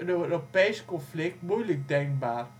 Europees conflict moeilijk denkbaar